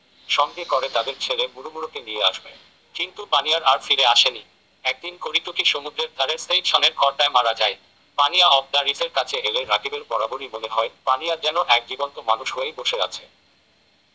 সঙ্গে করে তাদের ছেলে মুড়মুড়কে নিয়ে আসবে কিন্তু পানিয়ার আর ফিরে আসেনি একদিন করিটুকি সমুদ্রের ধারের সেই ছনের ঘরটায় মারা যায় পানিয়া অব দ্য রিফের কাছে এলে রাকিবের বরাবরই মনে হয় পানিয়া যেন এক জীবন্ত মানুষ হয়েই বসে আছে